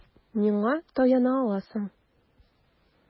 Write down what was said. Миңа таяна аласың.